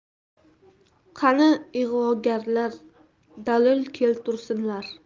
qani ig'vogarlar dalil keltursinlar